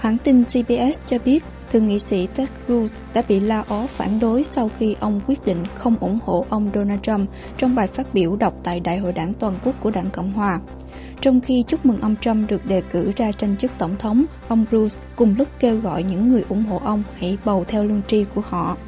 hãng tin di bi ét cho biết thượng nghị sĩ tét lu đã bị la ó phản đối sau khi ông quyết định không ủng hộ ông đo na trăm trong bài phát biểu đọc tại đại hội đảng toàn quốc của đảng cộng hòa trong khi chúc mừng ông trăm được đề cử ra tranh chức tổng thống ông lu cùng lúc kêu gọi những người ủng hộ ông hãy bầu theo lương tri của họ